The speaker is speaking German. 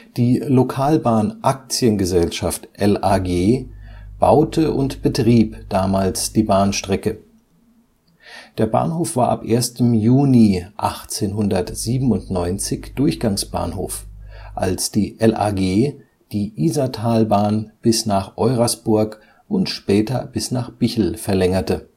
Die Lokalbahn Aktien-Gesellschaft (LAG) baute und betrieb damals die Bahnstrecke. Der Bahnhof war ab 1. Juni 1897 Durchgangsbahnhof, als die LAG die Isartalbahn bis nach Eurasburg und später bis nach Bichl verlängerte